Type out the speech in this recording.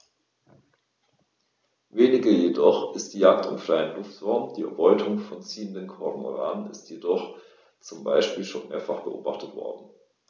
Weniger häufig ist die Jagd im freien Luftraum; die Erbeutung von ziehenden Kormoranen ist jedoch zum Beispiel schon mehrfach beobachtet worden.